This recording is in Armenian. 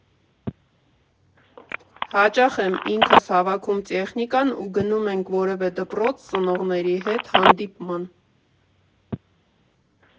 Հաճախ եմ ինքս հավաքում տեխնիկան ու գնում ենք որևէ դպրոց՝ ծնողների հետ հանդիպման։